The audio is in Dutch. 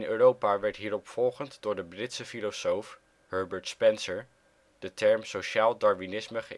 Europa werd hieropvolgend door de Britse filosoof Herbert Spencer de term sociaal darwinisme